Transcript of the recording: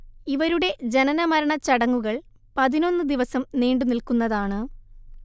ഇവരുടെ ജനനമരണച്ചടങ്ങുകൾ പതിനൊന്ന് ദിവസം നീണ്ടു നില്ക്കുന്നതാണ്